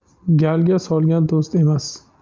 galga solgan do'st emas